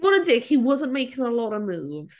I fod yn deg he wasn't making a lot of moves.